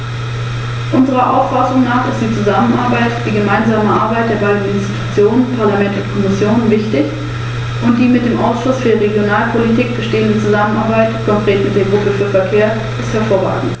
Der vorliegende Kompromiss ist, was den Anwendungsbereich der Richtlinie als auch die Einführung der im Vorschlag enthaltenen 12 grundlegenden Rechte anbelangt, ein wichtiger Schritt zum Schutz der Fahrgastrechte.